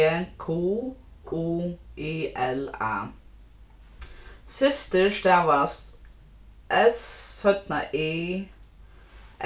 e q u i l a systir stavast s y